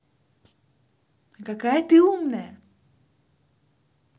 какая ты умная